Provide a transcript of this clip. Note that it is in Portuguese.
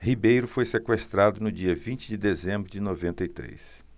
ribeiro foi sequestrado no dia vinte de dezembro de noventa e três